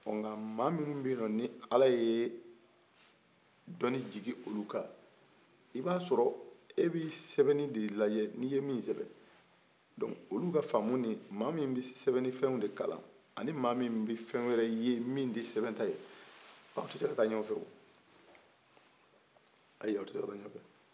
nka maa minnu bɛ in ni ala ye dɔni jigi olu kan i ba sɔrɔ e bi sɛbɛnni de lajɛ ni ye min sɛbɛn donc olu ka faamu maa min bɛ sɛbɛnni fɛw de kalan ani maa mi bɛ fɛn wɛrɛ min tɛ sɛbɛn ta ye donc aw tɛ se ka taa ɲɔgɔn fɛ